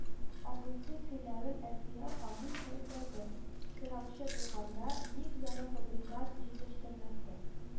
Абыйсы сөйләвен Әлфия ханым куәтләде: «Сораучы булганда ник ярымфабрикат җитештермәскә